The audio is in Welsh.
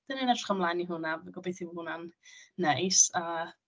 Dan ni'n edrych ymlaen i hwnna. Fi'n gobeithio bod hwnna'n neis. A...